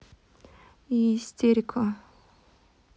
истерика